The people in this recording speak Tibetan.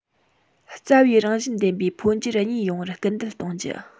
རྩ བའི རང བཞིན ལྡན པའི འཕོ འགྱུར གཉིས ཡོང བར སྐུལ འདེད གཏོང རྒྱུ